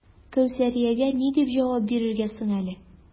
Кәүсәриягә ни дип җавап бирергә соң әле?